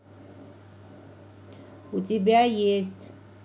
у тебя есть